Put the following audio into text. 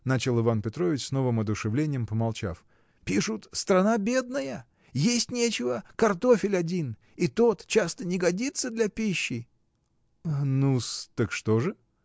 — начал Иван Петрович с новым одушевлением, помолчав, — пишут, страна бедная, есть нечего, картофель один, и тот часто не годится для пищи. — Ну-с, так что же?